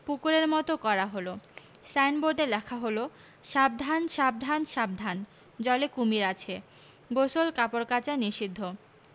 পুকুরের মত করা হল সাইনবোর্ডে লেখা হল সাবধান সাবধান সাবধান জলে কুমীর আছে গোসল কাপড় কাচা নিষিদ্ধ